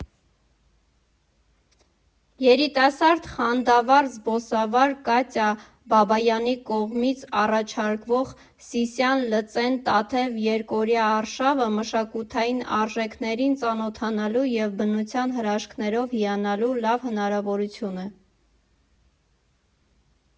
Երիտասարդ, խանդավառ զբոսավար Կատյա Բաբայանի կողմից առաջարկվող Սիսիան֊Լծեն֊Տաթև երկօրյա արշավը մշակութային արժեքներին ծանոթանալու և բնության հրաշքներով հիանալու լավ հնարավորություն է։